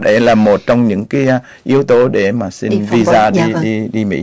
để là một trong những cái yếu tố để mà xin vi sa đi đi mỹ